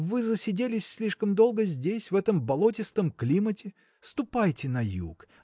вы засиделись слишком долго здесь в этом болотистом климате. Ступайте на юг